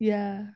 Ie.